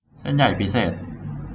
เส้นใหญ่พิเศษ